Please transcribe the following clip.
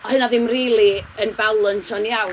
Oedd hynna ddim rili yn balansio'n iawn.